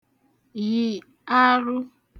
yị̀ arụ